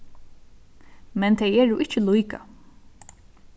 men tey eru ikki líka